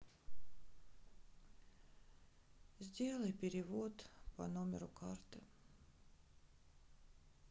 сделай перевод по номеру карты